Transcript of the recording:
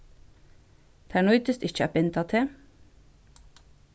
tær nýtist ikki at binda teg